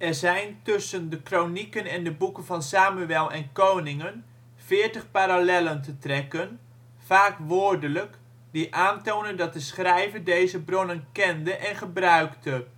zijn tussen de Kronieken en de boeken van Samuël en Koningen 40 parallellen te trekken, vaak woordelijk, die aantonen dat de schrijver deze bronnen kende en gebruikte